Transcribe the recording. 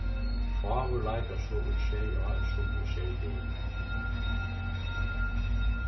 fáur leikar so í sjey ár sum í sjey dagar